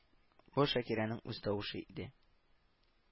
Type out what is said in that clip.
Бу Шакирәнең үз тавышы иде